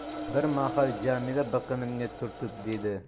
bir mahal jamila biqinimga turtib dedi